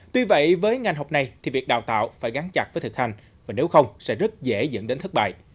tuy vậy với ngành học này thì việc đào tạo phải gắn chặt với thực hành và nếu không sẽ rất dễ dẫn đến thất bại